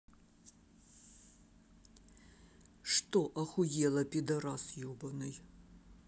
что охуела пидарас ебаный